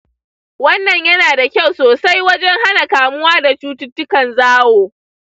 wannan yana da kyau sosai wajen hana kamuwa da cututtukan zawo.